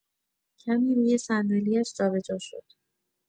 کمی روی صندلی‌اش جابجا شد.